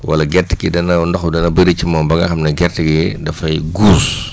wala gerte gi dana ndox bi dana bëri ci moom ba nga xam ne gerte gi dafay guus